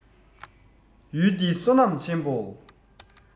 ཡུལ འདི བསོད ནམས ཆེན པོ